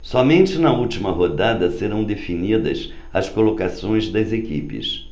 somente na última rodada serão definidas as colocações das equipes